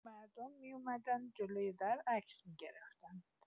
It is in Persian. مردم می‌اومدن جلوی در عکس می‌گرفتن.